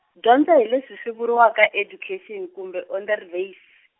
dyondzo hi leswi swi vuriwaka education kumbe onderwys.